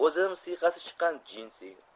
o'zim siyqasi chiqqan jinsi